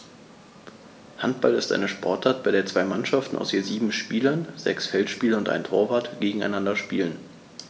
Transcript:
Handball ist eine Sportart, bei der zwei Mannschaften aus je sieben Spielern (sechs Feldspieler und ein Torwart) gegeneinander spielen.